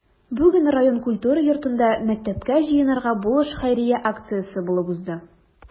Бүген район культура йортында “Мәктәпкә җыенырга булыш” хәйрия акциясе булып узды.